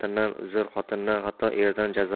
xotindan xato erdan jazo